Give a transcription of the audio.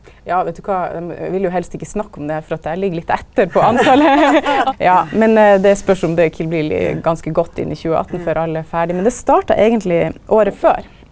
ja veit du kva vil jo helst ikkje snakka om det for at eg ligg litt etter på tal ja, men det spørst om det ikkje blir ganske godt inn i 2018 før alle er ferdig, men det starta eigentleg året før.